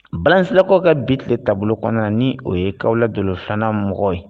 Balasnsilakaw ka bi tile taabolo kɔnɔna na ni o ye kawula dolo 2nan mɔgɔw ye